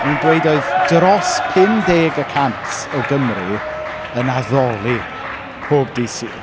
Oedden nhw'n dweud oedd dros pumdeg y cant o Gymru yn addoli pob dydd Sul.